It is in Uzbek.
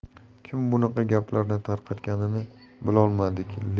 kim bunaqa gaplarni tarqatganini bilolmadik